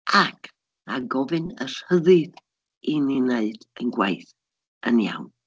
Ac ma' gofyn y rhyddid i ni wneud ein gwaith yn iawn.